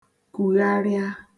kùgharịa